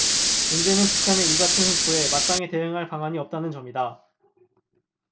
문제는 북한의 이 같은 횡포에 마땅히 대응할 방안이 없다는 점이다